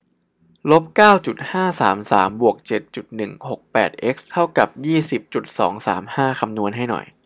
ลบเก้าจุดห้าสามสามบวกเจ็ดจุดหนึ่งหกแปดเอ็กซ์เท่ากับยี่สิบจุดสองสามห้าคำนวณให้หน่อย